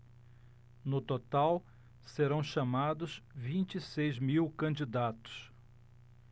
no total serão chamados vinte e seis mil candidatos